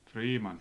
Riimanni